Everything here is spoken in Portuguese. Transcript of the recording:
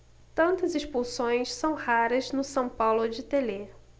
tantas expulsões são raras no são paulo de telê